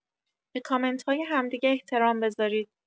به کامنتای هم دیگه احترام بزارید.